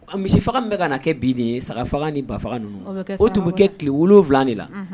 Misi faga bɛ ka na kɛ bin nin ye sagafan ni ba ninnu o tun bɛ kɛ tile wolo wolonwula de la